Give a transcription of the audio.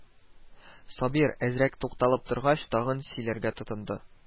Сабир, әзрәк тукталып торгач, тагын сөйләргә тотынды: